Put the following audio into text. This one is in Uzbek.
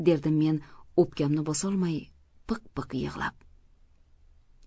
derdim men o'pkamni bosolmay piq piq yig'lab